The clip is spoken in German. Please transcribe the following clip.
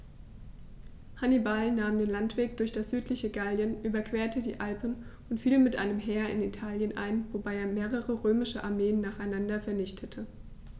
Hannibal nahm den Landweg durch das südliche Gallien, überquerte die Alpen und fiel mit einem Heer in Italien ein, wobei er mehrere römische Armeen nacheinander vernichtete.